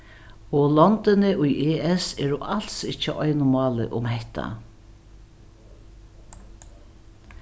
og londini í es eru als ikki á einum máli um hetta